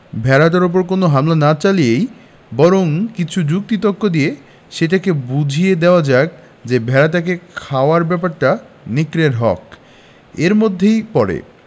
ভেড়াটার উপর কোন হামলা না চালিয়ে বরং কিছু যুক্তি তক্ক দিয়ে সেটাকে বুঝিয়ে দেওয়া যাক যে ভেড়াটাকে খাওয়ার ব্যাপারটা নেকড়ের হক এর মধ্যেই পড়ে